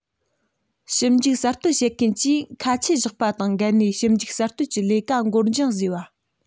ཞིབ འཇུག གསར གཏོད བྱེད མཁན གྱིས ཁ ཆད བཞག པ དང འགལ ནས ཞིབ འཇུག གསར གཏོད ཀྱི ལས ཀ འགོར འགྱངས བཟོས པ